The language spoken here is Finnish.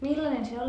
millainen se oli